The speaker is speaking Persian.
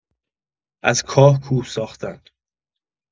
از کاه کوه ساختن